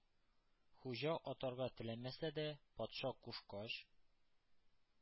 Хуҗа атарга теләмәсә дә, патша кушкач,